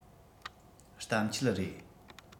གཏམ འཁྱལ རེད